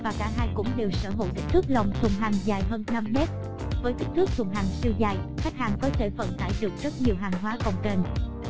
và cả hai cũng đều sở hữu kích thước lòng thùng hàng dài hơn mét với kích thước thùng hàng siêu dài khách hàng có thể vận tải được rất nhiều hàng hóa cồng kềnh